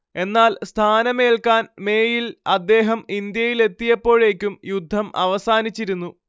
എന്നാൽ സ്ഥാനമേൽക്കാൻ മേയിൽ അദ്ദേഹം ഇന്ത്യയിലെത്തിയപ്പോഴേക്കും യുദ്ധം അവസാനിച്ചിരുന്നു